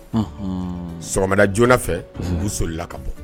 Sɔ sɔgɔma joona fɛ u b bɛ sola ka bɔ